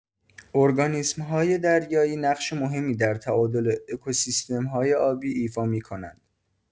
ارگانیسم‌های دریایی نقش مهمی در تعادل اکوسیستم‌های آبی ایفا می‌کنند.